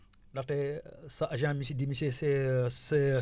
ndaxte sa agent mi si di monsieur